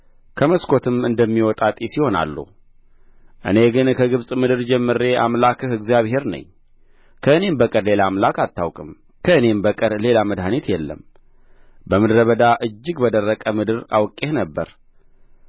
ከመስኮትም እንደሚወጣ ጢስ ይሆናሉ እኔ ግን ከግብጽ ምድር ጀምሬ አምላክህ እግዚአብሔር ነኝ ከእኔም በቀር ሌላ አምላክ አታውቅም ከእኔም በቀር ሌላ መድኃኒት የለም በምድረ በዳ እጅግ በደረቀ ምድር አውቄህ ነበር